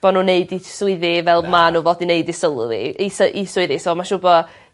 bo' nw'n neud 'u swyddi fel ma' n'w fod neud 'u sylwi eu sy- 'u swyddi so ma' siŵr bo'